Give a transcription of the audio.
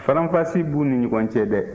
faranfasi b'u ni ɲɔgɔn cɛ dɛ